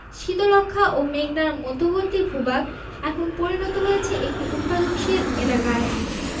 শীতলক্ষ্যা ও মেঘনার মধ্যবর্তী ভূভাগ এখন পরিণত হয়েছে একটি উৎপাদনশীল এলাকায়